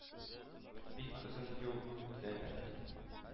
Бик озын юл үттеләр, ди,